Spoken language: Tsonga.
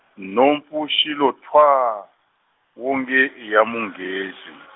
nhompfu xi lo thwaa, wonge i ya munghezi.